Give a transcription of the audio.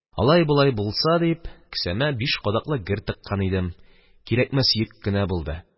Алай-болай булса дип, кесәмә биш кадаклы гер тыккан идем, кирәкмәс йөк кенә булды.